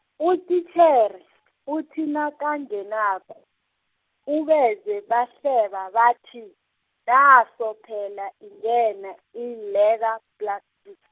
utitjhere , uthi nakangenako, ubezwe bahleba bathi, naso phela ingena i- leather plastic.